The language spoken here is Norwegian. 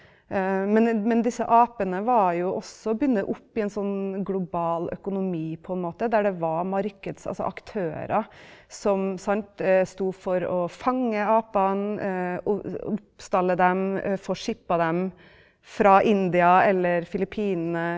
men men disse apene var jo også bundet opp i en sånn global økonomi på en måte der det var altså aktører som sant sto for å fange apene stalle opp dem, få skipa dem fra India eller Filippinene,